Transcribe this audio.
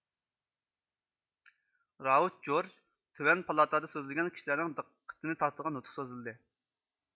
رائۇج جورج تۆۋەن پالاتادا سۆزلىگەن كىشىلەرنىڭ دىققىتىنى تارتىدىغان نۇتۇق سۆزلىدى